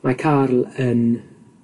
Mae Carl yn